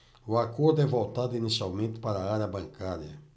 o acordo é voltado inicialmente para a área bancária